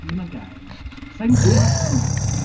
him again. Sai'n... ie! ...deall hynna.